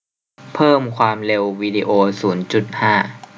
เพิ่มความเร็ววีดีโอศูนย์จุดห้า